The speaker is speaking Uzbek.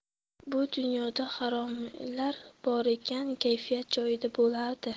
bu dunyoda haromilar bor ekan kayfiyat joyida bo'ladi